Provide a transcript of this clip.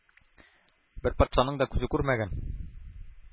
Бер патшаның да күзе күрмәгән,